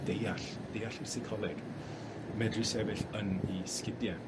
deall, deall 'u seicoleg. Medru sefyll yn 'u sgidie.